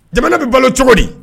Jamana bɛ balo cogo di.